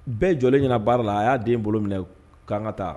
Bɛɛ jɔlen ɲɛna baara la a y'a den bolo minɛ k'an ka taa